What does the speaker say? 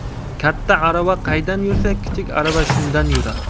katta arava qaydan yursa kichik arava shundan yurar